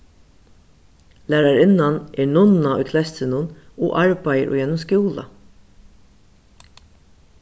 lærarinnan er nunna í kleystrinum og arbeiðir í einum skúla